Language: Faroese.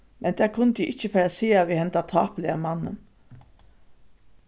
men tað kundi eg ikki fara at siga við henda tápuliga mannin